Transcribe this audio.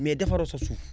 mais defaroo sa suuf